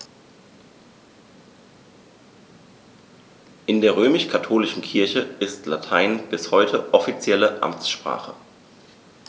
In der römisch-katholischen Kirche ist Latein bis heute offizielle Amtssprache.